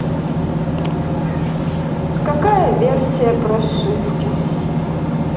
какая версия прошивки